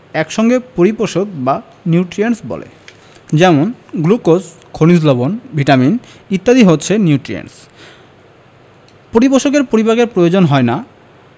এক সঙ্গে পরিপোষক বা নিউট্রিয়েন্টস বলে যেমন গ্লুকোজ খনিজ লবন ভিটামিন ইত্যাদি হচ্ছে নিউট্রিয়েন্টস পরিপোষকের পরিপাকের প্রয়োজন হয় না